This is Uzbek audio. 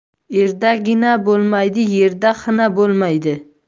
erda gina bo'lmaydi yerda xina bo'lmaydi